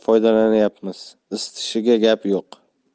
foydalanyapmiz isitishiga gap yo'q